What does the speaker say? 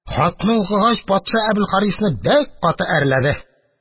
Хатны укыгач, патша Әбелхарисны бик каты әрләде